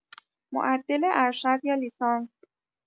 معدل ارشد یا لیسانس؟